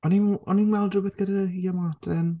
O'n i'n... o'n i'n gweld rhywbeth gyda hi a Martin?